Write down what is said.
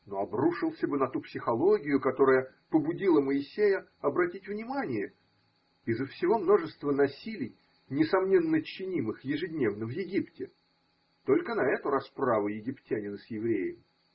но обрушился бы на ту психологию, которая побудила Моисея обратить внимание, изо всего множества насилий, несомненно чинимых ежедневно в Египте, только на эту расправу египтянина с евреем.